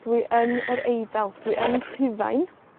Dwi yn yr Eidal, dwi yn Rhufain.